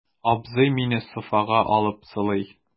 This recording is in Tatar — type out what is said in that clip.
Абзый мине софага алып сылый.